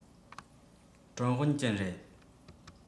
ཀྲང ཝུན ཅུན རེད